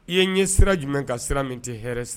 I ye ɲɛ sira jumɛn ka sira min tɛ hɛrɛɛrɛ sa